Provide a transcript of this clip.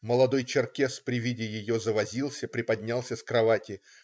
Молодой черкес при виде ее завозился, приподнялся в кровати.